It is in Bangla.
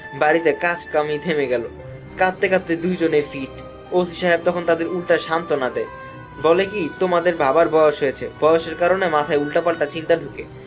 বাড়িতে কাজ থেমে গেল কানতে কানতে দুইজনে ফিট ওসি সাহেব তখন তাদের উল্টো সান্ত্বনা দেয় বলে কি তোমাদের বাবার বয়স হয়েছে বয়সের কারণে মাথায় উল্টোপাল্টা চিন্তা ঢুকে